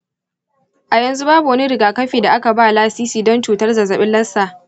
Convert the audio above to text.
a yanzu babu wani rigakafi da aka ba lasisi don cutar zazzabin lassa.